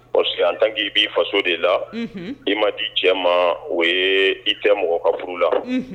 parceque en tant que ki bi faso de la , i ma di cɛ ma, o ye i tɛ mɔgɔ ka furu la.